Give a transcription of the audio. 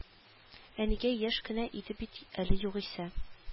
Әнигә яшь кенә иде бит әле югыйсә